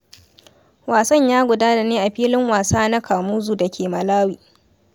Wasan ya gudana ne a Filin Wasa na Kamuzu da ke Malawi.